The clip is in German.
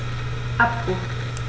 Abbruch.